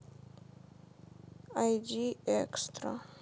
айди экстра